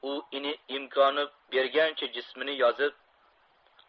u ini imkon bergancha jismini yozib